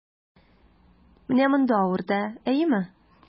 Менә монда авырта, әйеме?